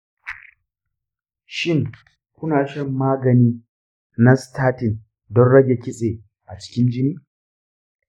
shin, kuna shan magani na statin don rage kitse a cikin jini?